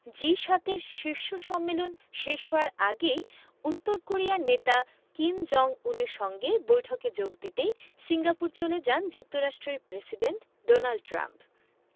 জি ৭ এর শীর্ষ সম্মেলন শেষ হওয়ার আগেই উত্তর কোরিয়ার নেতা কিম জং উনের সঙ্গে বৈঠকে যোগ দিতে সিঙ্গাপুরে চলে যান যুক্তরাষ্ট্রের প্রেসিডেন্ট ডোনাল্ড ট্রাম্প